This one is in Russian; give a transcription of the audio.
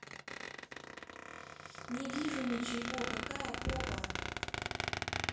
не вижу ничего какая попа